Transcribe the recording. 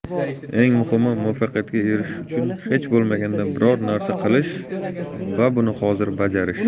eng muhimi muvaffaqiyatga erishish uchun hech bo'lmaganda biror narsa qilish va buni hozir bajarish